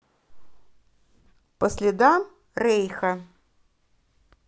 по следам рейха